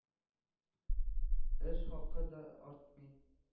Эш хакы да артмый.